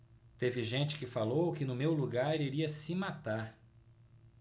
teve gente que falou que no meu lugar iria se matar